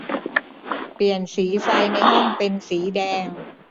เปลี่ยนสีไฟในห้องเป็นสีแดง